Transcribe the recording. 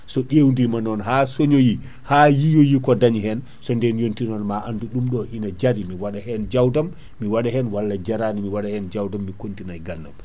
so ƴewdima non ha soñoyi ha yiiyoyi ko dañi hen so nden yonti non ma andu ɗum ɗo ina jaari mi waɗa hen jawdam mi waɗen walla jaarani mi waɗa hen jawdam mi continue na e gannam